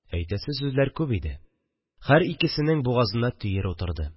Әйтәсе сүзләр күп иде – һәр икесенең бугазына төер утырды